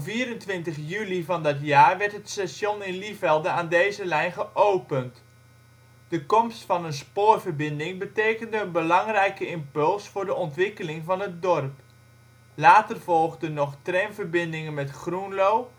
juli van dat jaar werd het station in Lievelde aan deze lijn geopend. De komst van een spoorverbinding betekende een belangrijke impuls voor de ontwikkeling van het dorp. Later volgde nog tramverbindingen met Groenlo